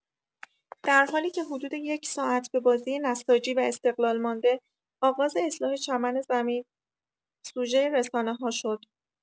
درحالی‌که حدود یک ساعت به بازی نساجی و استقلال مانده، آغاز اصلاح چمن زمین سوژه رسانه‌ها شد.